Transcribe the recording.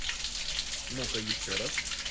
ну ка еще раз